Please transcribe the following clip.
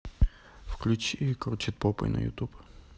включи крутит попой на ютуб